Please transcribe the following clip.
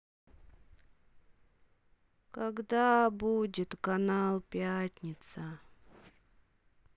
когда будет канал пятница